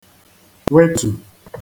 -wetù